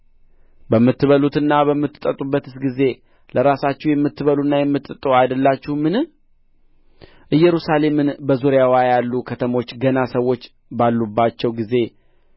በምትበሉበትና በምትጠጡበትስ ጊዜ ለራሳችሁ የምትበሉና የምትጠጡ አይደላችሁምን ኢየሩሳሌምና በዙሪያዋ ያሉ ከተሞች ገና ሰዎች ባሉባቸው ጊዜ